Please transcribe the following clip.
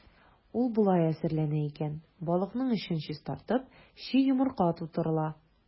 Ул болай әзерләнә икән: балыкның эчен чистартып, чи йомырка тутырыла.